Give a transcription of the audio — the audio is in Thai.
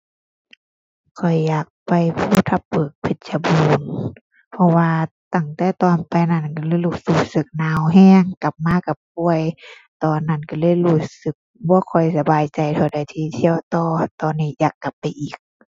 ข้อยอยากไปภูทับเบิก เพชรบูรณ์ เพราะว่าตั้งแต่ตอนไปนั้นก็เลยรู้สึกสึกหนาวก็ กลับมาก็ป่วย ตอนนั้นก็เลยรู้สึกบ่ค่อยสบายใจเท่าใดที่เที่ยวต่อ ตอนนี้อยากกลับไปอีก